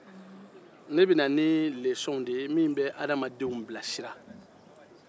ne bɛ na ni lesɔnw de ye min bɛ adamadenw bilasira